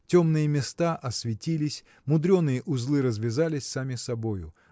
Темные места осветились, мудреные узлы развязались сами собою